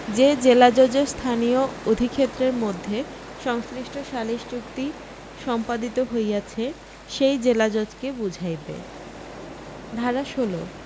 যে জেলাজজের স্থানীয় অধিক্ষেত্রের মধ্যে সংশ্লিষ্ট সালিস চুক্তি সম্পাদিত হইয়াছে সেই জেলাজজকে বুঝাইবে ধারা ১৬